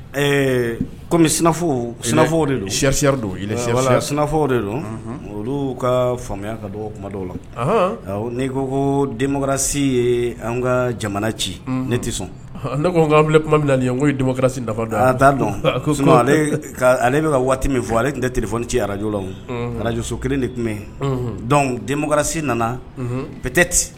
Ɛɛ kɔmi sinafɔ sinafɔ de donsiri don sinafɔ de don olu ka faamuyaya ka o kuma dɔw la'i ko ko denmarasi an ka jamana ci ne tɛ sɔn ne ko an n ko ye dama marasi dafa dɔn' dɔn ale ale bɛka ka waati min fɔ ale tun tɛ t ci arajlaw arajso kelen de tun bɛ yen dɔnku denrasi nana pteti